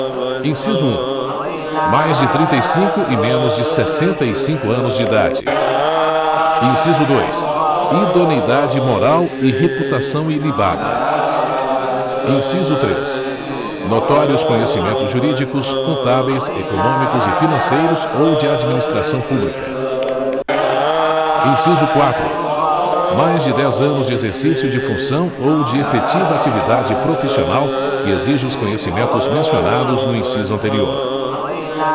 inciso um mais de trinta e cinco e menos de sessenta e cinco anos de idade inciso dois idoneidade moral e reputação ilibada inciso três notórios conhecimentos jurídicos contábeis econômicos e financeiros ou de administração pública inciso quatro mais de dez anos de exercício de função ou de efetiva atividade profissional que exija os conhecimentos mencionados no inciso anterior